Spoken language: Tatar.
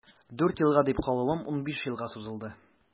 Дүрт елга дип калуым унбиш елга сузылды.